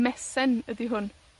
Mesen ydi hwn.